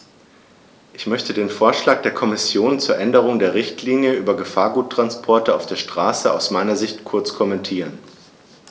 Ich möchte den Vorschlag der Kommission zur Änderung der Richtlinie über Gefahrguttransporte auf der Straße aus meiner Sicht kurz kommentieren.